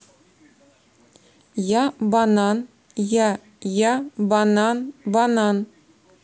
я банан я я банан банан